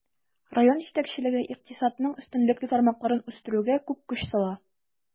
Район җитәкчелеге икътисадның өстенлекле тармакларын үстерүгә күп көч сала.